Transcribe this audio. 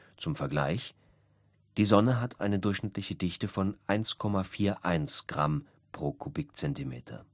Zum Vergleich hat die Sonne eine durchschnittliche Dichte von 1,41 g/cm3